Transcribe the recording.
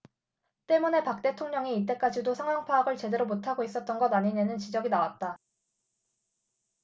때문에 박 대통령이 이때까지도 상황 파악을 제대로 못하고 있었던 것 아니냐는 지적이 나왔다